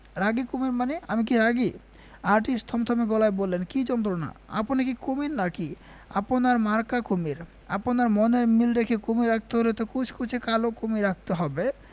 রাগী কুমীর শানে আমি কি রাগী আর্টিস্ট থমথমে গলায় বললেন কি যন্ত্রণা আপনি কি কুমীর না কি আপনার মাকা কুমীর আপনার মনের মিল রেখে কুমীর আঁকতে হলে তো কুচকুচে কালো কুমীর আঁকতে হবে